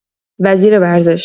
وزیر ورزش